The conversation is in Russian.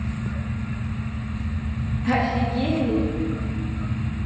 офигели